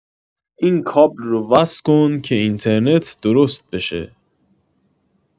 این کابل رو وصل کن که اینترنت درست بشه